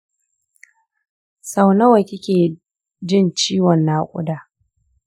sau nawa kike jin ciwon naƙuda?